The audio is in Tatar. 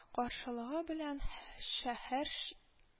-каршылыгы белән шәһәр чи